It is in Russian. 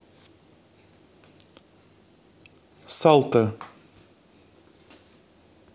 salto